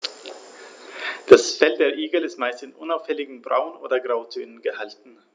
Das Fell der Igel ist meist in unauffälligen Braun- oder Grautönen gehalten.